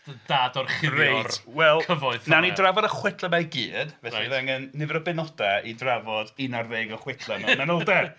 ..dadorchuddio'r cyfoeth?... Wel, wnawn ni drafod y chwedlau 'ma i gyd, felly fydd angen nifer o benodau i drafod un ar ddeg o chwedlau mewn manylder. ....